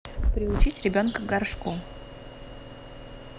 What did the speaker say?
приучить ребенка к горшку